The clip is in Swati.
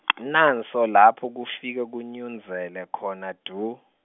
nanso lapho kufike kunyundzele khona dvu.